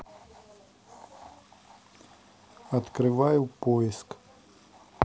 открываю поиск